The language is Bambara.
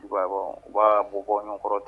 U b'a bɔ ɲɔgɔn kɔrɔ ten